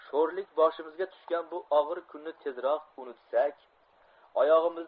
sho'rlik boshimizga tushgan bu og'ir kunni tezroq unutsak